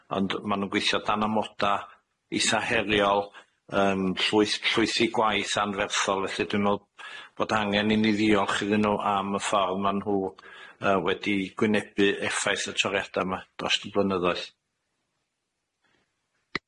Ond ma' nw'n gweithio dan amoda' itha heriol yym llwyth llwyth 'u gwaith anferthol felly dwi me'wl bod angen i ni ddiolch iddyn nw am y ffor ma' nhw yy wedi gwynebu effaith y toriadau ma dros y blynyddoedd.